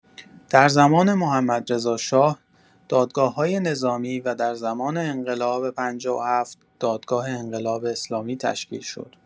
در زمان محمدرضاشاه دادگاه‌های نظامی و در زمان انقلاب ۵۷ دادگاه انقلاب اسلامی تشکیل شد.